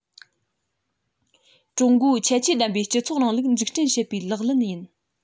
ཀྲུང གོའི ཁྱད ཆོས ལྡན པའི སྤྱི ཚོགས རིང ལུགས འཛུགས སྐྲུན བྱེད པའི ལག ལེན ཡིན